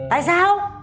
tại sao